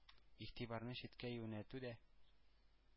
Игътибарны читкә юнәтү дә.